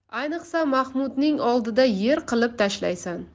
ayniqsa mahmudning oldida yer qilib tashlaysan